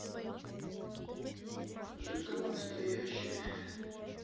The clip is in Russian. жк настоящее